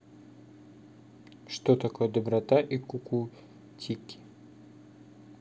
что такое доброта кукутики